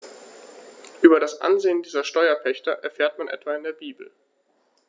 Über das Ansehen dieser Steuerpächter erfährt man etwa in der Bibel.